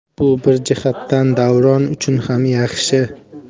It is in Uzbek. bu bir jihatdan davron uchun ham yaxshi